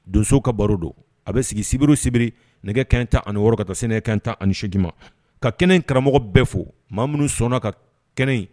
Donsow ka baro don a bɛ sigi sibiri o sibiri nɛgɛ kanɲɛ tan ani wɔɔrɔ ka taa se nɛgɛ kanɲɛ tan ani segin ma, ka kɛnɛ in karamɔgɔ bɛɛ fo maa minnu sɔnna ka kɛnɛ in